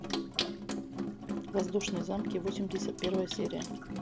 воздушные замки восемьдесят первая серия